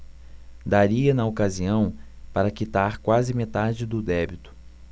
daria na ocasião para quitar quase metade do débito